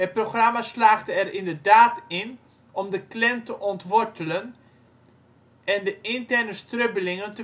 programma slaagde er inderdaad in om de Klan te ontwortelen en de interne strubbelingen